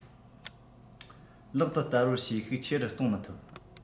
ལག ཏུ བསྟར བར བྱེད ཤུགས ཆེ རུ གཏོང མི ཐུབ